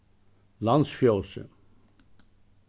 landsfjósið